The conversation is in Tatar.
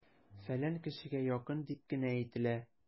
"фәлән кешегә якын" дип кенә әйтелә!